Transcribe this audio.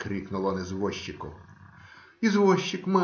- крикнул он извозчику. Извозчик,